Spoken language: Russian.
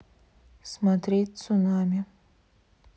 смотреть цунами